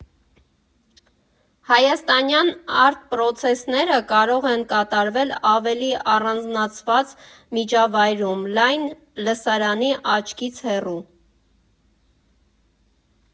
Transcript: Հայաստանյան արտ֊պրոցեսները կարող են կատարվել ավելի առանձնացված միջավայրում, լայն լսարանի աչքից հեռու։